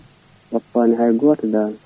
woppani hay goto *